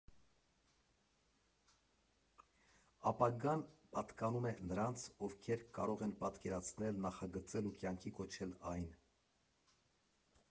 Ապագան պատկանում է նրանց, ովքեր կարող են պատկերացնել, նախագծել ու կյանքի կոչել այն։